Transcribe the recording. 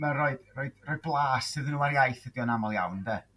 ma' rhoi- rhoid rhoi- blas iddyn n'ww ar iaith ydi o'n amal iawn ynde?